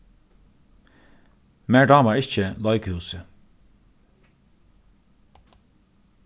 mær dámar ikki leikhúsið